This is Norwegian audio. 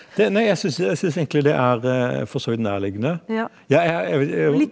det nei jeg syns jeg syns egentlig det er for så vidt nærliggende ja.